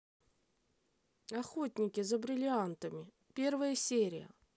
охотники за бриллиантами первая серия